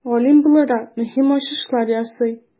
Галим буларак, мөһим ачышлар ясый.